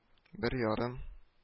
Бер ярым